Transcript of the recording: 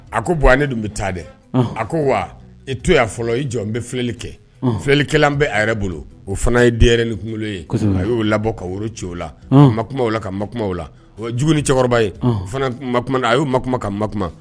A Ko Buwa ne dun bɛ taa dɛ! Unhun! A ko wa i to yan fɔlɔ, i jɔ n bɛ filɛli kɛ. Unhun! Filɛlikɛlan bɛ a yɛrɛ bolo, o fana ye denɲɛrɛni kunkolo ye. Kosɛbɛ! A y'o labɔ ka woro ci o la. Unhun! Ma kuma o la, ka ma kuma o la. O ye jugunin cɛkɔrɔba ye. Ɔnhɔn! O fana ma kuma la, a y'o ma kuma, ka ma kuma.